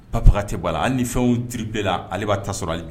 Babaga tɛ b' la an ni fɛn tiribe la ale b' ta sɔrɔ ale